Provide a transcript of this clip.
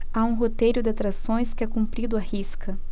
há um roteiro de atrações que é cumprido à risca